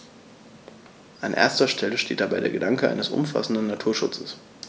An erster Stelle steht dabei der Gedanke eines umfassenden Naturschutzes.